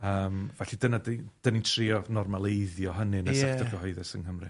Yym, felly dyna 'di 'dan ni'n trio normaleiddio hynny yn y... Ie. ...sector gyhoeddus yng Nghymru.